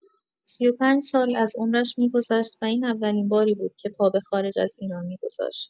سی و پنج سال از عمرش می‌گذشت و این اولین باری بود که پا به خارج از ایران می‌گذاشت.